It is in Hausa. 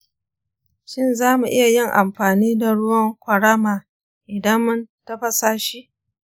shin za mu iya yin amfani da ruwan ƙwarama idan mun tafasa shi?